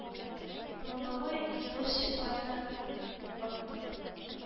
Ломовой извозчикларны аты